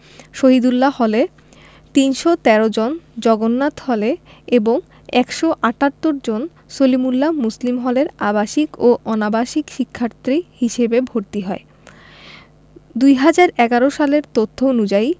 শহীদুল্লাহ হলে ৩১৩ জন জগন্নাথ হলে এবং ১৭৮ জন সলিমুল্লাহ মুসলিম হলের আবাসিক ও অনাবাসিক শিক্ষার্থী হিসেবে ভর্তি হয় ২০১১ সালের তথ্য অনুযায়ী